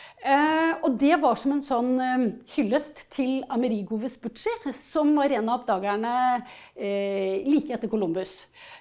og det var som en sånn hyllest Amerigo Vespucci, som var en av oppdagerne like etter Colombus.